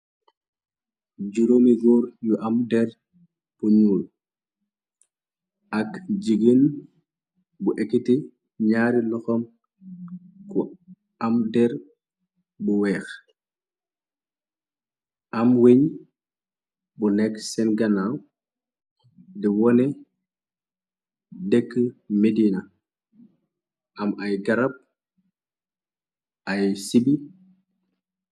Juróomi góor yu am der bu ñuul, ak jigeen bu ekiti ñaari loxam ku am der bu weex, am weñ bu nekk seen ganaaw di wone dëkk mediina am ay garab ay sibi.